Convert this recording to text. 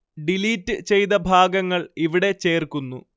delete ചെയ്ത ഭാഗങ്ങൾ ഇവിടെ ചേർക്കുന്നു